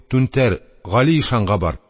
Түнтәр (Гали) ишанга бар,